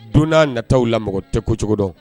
Dunan nataw la tɛ ko cogo dɔn